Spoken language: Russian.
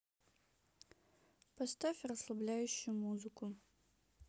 поставь расслабляющую музыку